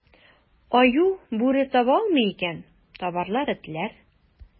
Аю, бүре таба алмый икән, табарлар этләр.